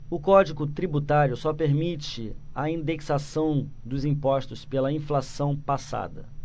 o código tributário só permite a indexação dos impostos pela inflação passada